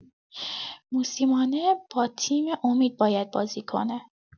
موسیمانه با تیم امید باید بازی کنه!